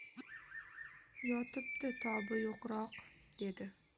yotibdi tobi yo'qroq dedi